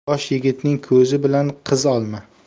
yosh yigitning ko'zi bilan qiz olma